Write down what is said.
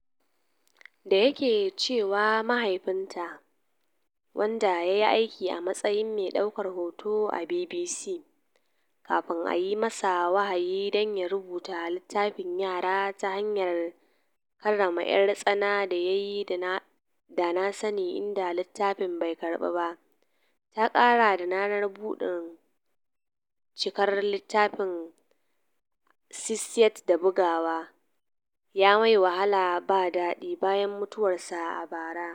Da yake cewa mahaifinta, wanda ya yi aiki a matsayin mai daukar hoto a BBC kafin a yi masa wahayi don ya rubuta littafin yara ta hanyar karrama ‘yar tsana, da yayi da na sani inda littafin bai karbu ba, ta kara da ranar bukin cikar littafin 60th da bugawa ya "mai wahala da dadi" bayan mutuwa sa a bara.